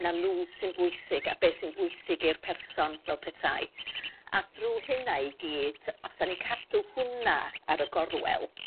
'na n'w sy'n bwysig a be' sy'n bwysig i'r person fel petai. A drw hynna i gyd os 'dan ni cadw hwnna ar y gorwel